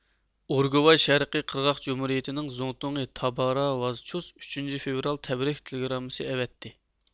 ئۇرۇگۋاي شەرقىي قىرغاق جۇمھۇرىيىتىنىڭ زۇڭتۇڭى تابارا ۋازچۇز ئۈچىنچى فېۋرال تەبرىك تېلېگراممىسى ئەۋەتتى